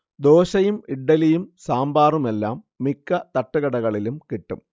ദോശയും ഇഡ്ഢലിയും സാമ്പാറുമെല്ലാം മിക്ക തട്ടുകടകളിലും കിട്ടും